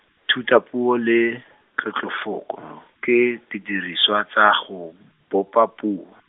thutapuo le, tlotlofoko, ke, didirisiwa tsa go, bopa puo.